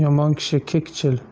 yomon kishi kekchil